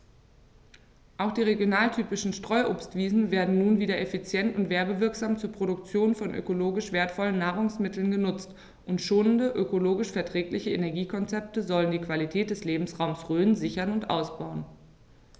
Auch die regionaltypischen Streuobstwiesen werden nun wieder effizient und werbewirksam zur Produktion von ökologisch wertvollen Nahrungsmitteln genutzt, und schonende, ökologisch verträgliche Energiekonzepte sollen die Qualität des Lebensraumes Rhön sichern und ausbauen.